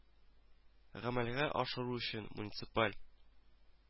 Гамәлгә ашыру өчен муниципаль